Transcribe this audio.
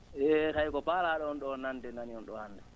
e ray ko paalaa?o on ?oo nannde nani on ?oo hannde